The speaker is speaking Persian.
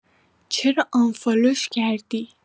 چرا آنفالوش کردی؟